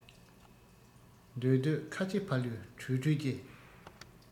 འདོད འདོད ཁ ཆེ ཕ ལུའི གྲོས གྲོས ཀྱི